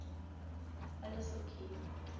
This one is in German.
Alles OK.